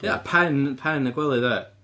Ia, pen pen y gwely, dio ia.